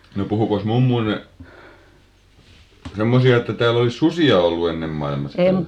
no puhuikos mummonne semmoisia että täällä olisi susia ollut ennen maailmassa täällä